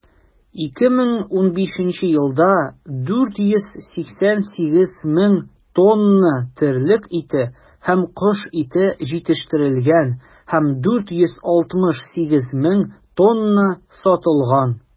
2015 елда 488 мең тонна терлек ите һәм кош ите җитештерелгән һәм 468 мең тонна сатылган.